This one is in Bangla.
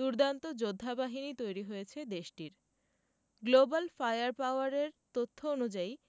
দুর্দান্ত যোদ্ধাবাহিনী তৈরি হয়েছে দেশটির গ্লোবাল ফায়ার পাওয়ারের তথ্য অনুযায়ী